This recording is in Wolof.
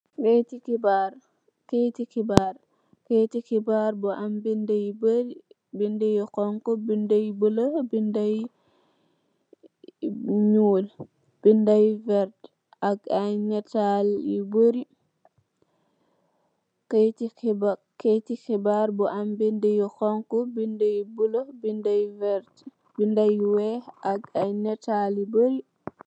Keuyiti xibaar bu am binda yu beuri, binda yu xonxu, binda yu buleuh , binda yu nyuul , binda yu vert, ak aye nataal yu boori.